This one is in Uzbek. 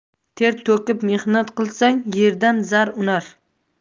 ter to'kib mehnat qilsang yerdan zar unar